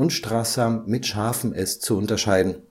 Straszer und Straßer zu unterscheiden